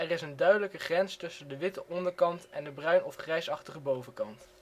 is een duidelijke grens tussen de witte onderkant en de bruin - of grijsachtige bovenkant